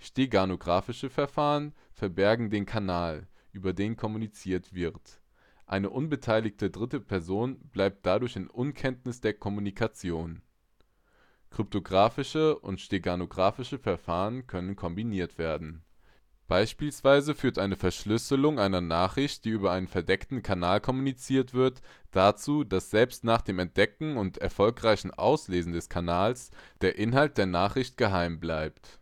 Steganographische Verfahren verbergen den Kanal, über den kommuniziert wird. Eine unbeteiligte dritte Person bleibt dadurch in Unkenntnis der Kommunikation. Kryptographische und steganographische Verfahren können kombiniert werden. Beispielsweise führt eine Verschlüsselung (Kryptographie) einer Nachricht, die über einen verdeckten Kanal kommuniziert wird (Steganographie), dazu, dass selbst nach dem Entdecken und erfolgreichen Auslesen des Kanals der Inhalt der Nachricht geheim bleibt